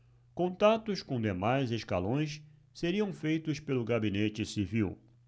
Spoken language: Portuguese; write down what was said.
contatos com demais escalões seriam feitos pelo gabinete civil